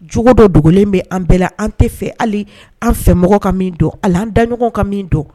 Jogo dɔ dogolen be an bɛɛ la an te fɛ hali an fɛmɔgɔ ka min dɔn hali an daɲɔgɔn ka min dɔn